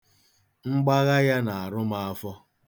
Mgbagha ya na-arụ m afọ.